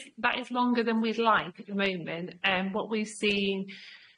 That is that is longer than we'd like at the moment. Yym what we've seen.